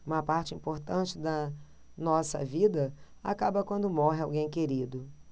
uma parte importante da nossa vida acaba quando morre alguém querido